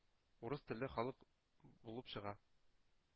«урыс телле халык» булып чыга.